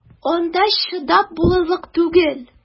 Анда чыдап булырлык түгел!